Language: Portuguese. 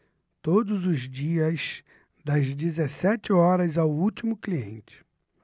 todos os dias das dezessete horas ao último cliente